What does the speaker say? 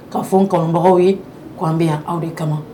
K' fɔ n kɔnbagaw ye k'an bɛ yan aw de kama